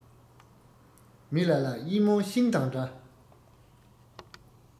མི ལ ལ དབྱི མོང ཤིང དང འདྲ